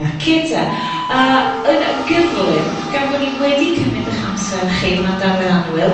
A 'k 'te. A, yn gyflym, gan bo ni wedi cymyd 'ych amser chi wrandawyr annwyl,